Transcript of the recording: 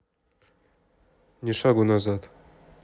ни шагу назад